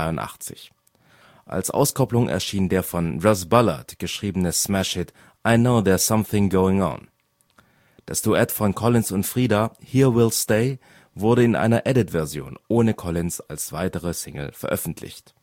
1982). Als Auskopplung erschien der von Russ Ballard geschriebene Smash-Hit I Know There 's Something Going On. Das Duett von Collins und Frida Here We'll Stay wurde in einer Edit-Version ohne Collins als weitere Single veröffentlicht